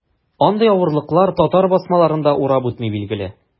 Андый авырлыклар татар басмаларын да урап үтми, билгеле.